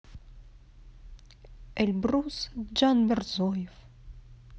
эльбрус джанмирзоев